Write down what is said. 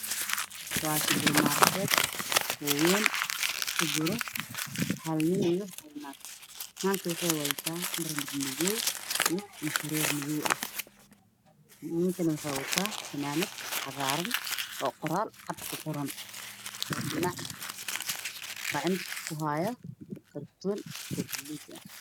Waas-barmaarke waxaa ii muuqda nin adeeganaya iyo gabar xijaab madow wadata ninka fanaanad cagaar ayuu qabaa